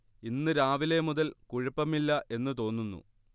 ഇന്ന് രാവിലെ മുതൽ കുഴപ്പമില്ല എന്ന് തോന്നുന്നു